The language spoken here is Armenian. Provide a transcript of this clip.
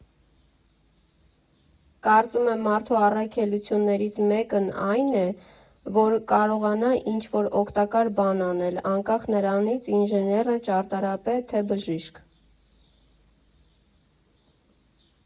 Կարծում եմ, մարդու առաքելությություններից մեկն այն է, որ կարողանա ինչ֊որ օգտակար բան անել՝ անկախ նրանից ինժեներ է, ճարտարապետ, թե բժիշկ։